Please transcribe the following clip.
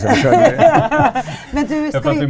men du skal vi.